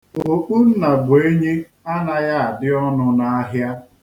Okpunnabụenyi anaghị adị ọnụ n'ahịa.